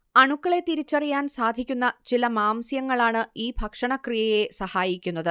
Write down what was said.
അണുക്കളെ തിരിച്ചറിയാൻ സാധിക്കുന്ന ചില മാംസ്യങ്ങളാണ് ഈ ഭക്ഷണക്രിയയെ സഹായിക്കുന്നത്